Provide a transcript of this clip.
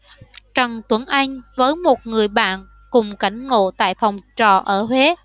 trần tuấn anh với một người bạn cùng cảnh ngộ tại phòng trọ ở huế